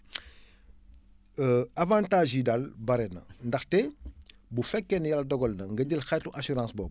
avantages yi daal bare na ndaxte bu fekkee ne yàlla dogal na nga jël xeetu assurance boobu